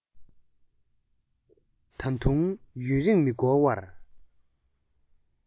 ད དུང ཡུན རིང མི འགོར བར